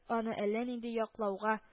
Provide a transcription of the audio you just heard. Аны әллә нинди яклауга